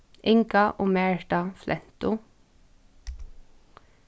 inga og marita flentu